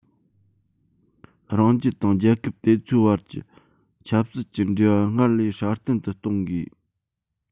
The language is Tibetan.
རང རྒྱལ དང རྒྱལ ཁབ དེ ཚོའི བར གྱི ཆབ སྲིད ཀྱི འབྲེལ བ སྔར ལས སྲ བརྟན དུ གཏོང དགོས